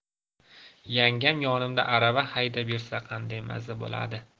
yangam yonimda arava haydab yursa qanday maza bo'ladi